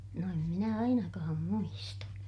no en minä ainakaan muista